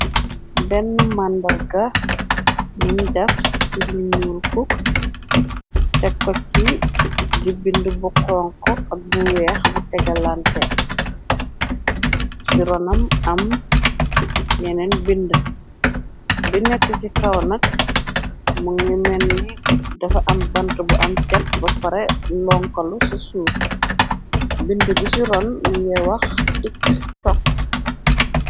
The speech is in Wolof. Deen màndar ga, muñ daf ci liñuul cook, tekko ci di bind bu konko , ak bu weex, bu tegalante ci ronam, am yeneen bind bi nekk ci kawonat, mu nga menne dafa am bant, bu am cet ba pare ndonkolu ci suux, bind bi ci ron mu ngay wax tikk tokk.